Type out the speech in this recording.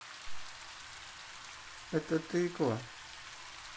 это тыква